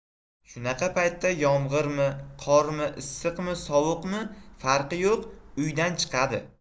shunaqa paytda yomg'irmi qormi issiqmi sovuqmi farqi yo'q uydan chiqadi